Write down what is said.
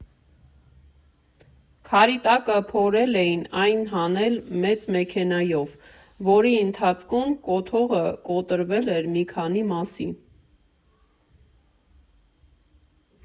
Քարի տակը փորել էին, այն հանել մեծ մեքենայով, որի ընթացքում կոթողը կոտրվել էր մի քանի մասի։